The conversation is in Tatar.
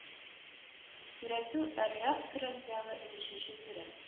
Сүрәтү әр-рәгъд коръәндәге унөченче сүрә